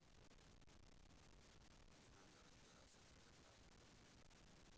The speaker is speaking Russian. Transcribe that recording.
не надо разбираться ты такая